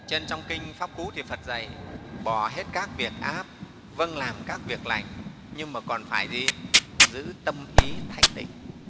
cho nên trong kinh pháp cú thì phật dạy bỏ hết các việc ác vâng làm các việc lành nhưng mà còn phải giữ tâm ý thanh tịnh